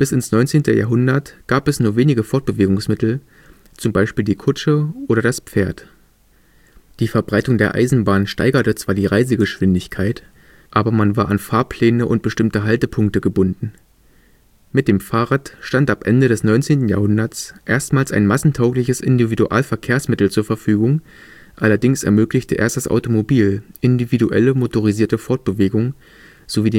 ins 19. Jahrhundert gab es nur wenige Fortbewegungsmittel, zum Beispiel die Kutsche oder das Pferd. Die Verbreitung der Eisenbahn steigerte zwar die Reisegeschwindigkeit, aber man war an Fahrpläne und bestimmte Haltepunkte gebunden. Mit dem Fahrrad stand ab Ende des 19. Jahrhunderts erstmals ein massentaugliches Individualverkehrsmittel zur Verfügung, allerdings ermöglichte erst das Automobil individuelle motorisierte Fortbewegung sowie